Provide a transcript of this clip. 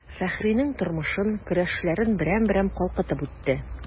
Фәхринең тормышын, көрәшләрен берәм-берәм калкытып үтте.